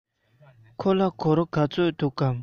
ཁོ ལ སྒོར ག ཚོད འདུག གམ